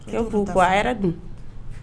E ko fɔ, a yɛrɛ dun?